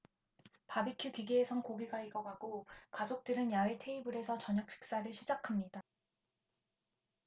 바비큐 기계에선 고기가 익어가고 가족들은 야외 테이블에서 저녁식사를 시작합니다